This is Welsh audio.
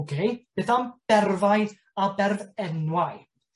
Oce beth am berfau a berfenwau?